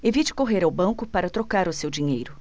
evite correr ao banco para trocar o seu dinheiro